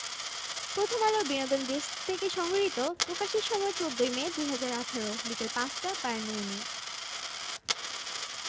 প্রথমআলোর বিনোদন ডেস্কথেকে সংগ্রহীত প্রকাশের সময় ১৪মে ২০১৮ বিকেল ৫টা ৫২ মিনিট